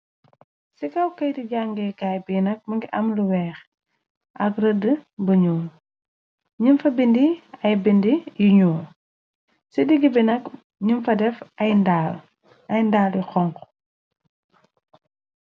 Ci kawkayti jàngeekaay bi nag mu ngi am lu weex ak rëdd bu ñu nim fa bindi ay bind yi ñu ci digg bi nag nim fa def ay ndaal yu xonk.